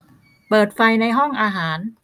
เปิดไฟในห้องอาหาร